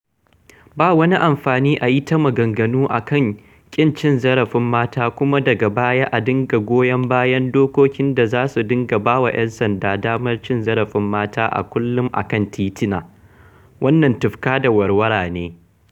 Ba wani amfani a yi ta maganganu a kan ƙin cin zarafin mata kuma daga baya a dinga goyon bayan dokokin da za su dinga ba wa 'yan sanda damar cin zarafin mata a kullum a kan tituna, wannan tufka da warwara ne!